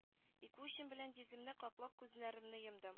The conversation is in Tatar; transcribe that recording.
Ике учым белән йөземне каплап күзләремне йомдым